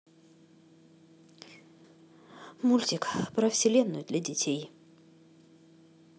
мультик про вселенную для детей